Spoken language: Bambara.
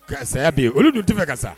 Ka saya bi yen olu don tɛ fɛ ka sa